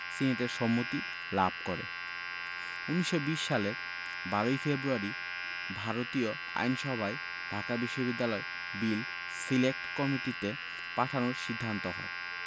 সিনেটের সম্মতি লাভ করে ১৯২০ সালের ১২ ই ফেব্রুয়ারি ভারতীয় আইনসভায় ঢাকা বিশ্ববিদ্যালয় বিল সিলেক্ট কমিটিতে পাঠানোর সিদ্ধান্ত হয়